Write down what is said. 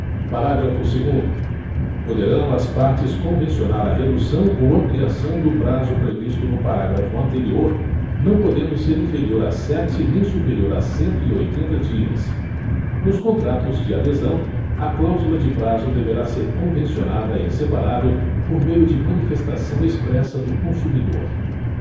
parágrafo segundo poderão as partes convencionar a redução ou ampliação do prazo previsto no parágrafo anterior não podendo ser inferior a sete nem superior a cento e oitenta dias nos contratos de adesão a cláusula de prazo deverá ser convencionada em separado por meio de manifestação expressa do consumidor